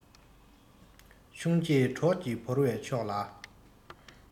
ཆུང སྐྱེས གྲོགས ཀྱིས བོར བའི ཕྱོགས ལ